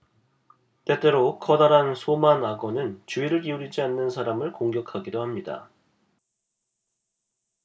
때때로 커다란 소만악어는 주의를 기울이지 않는 사람을 공격하기도 합니다